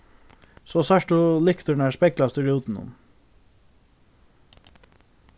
so sært tú lyktirnar speglast í rútinum